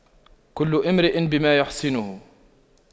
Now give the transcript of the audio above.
كل امرئ بما يحسنه